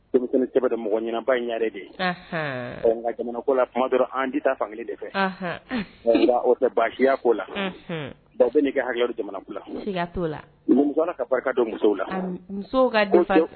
Cɛba mɔgɔ ɲɛnaba inre de ye ko la an taa fan de fɛ o tɛ baasihiya koo la baw bɛ ne kɛ hakɛ jamana la t'o la ka barika don musow la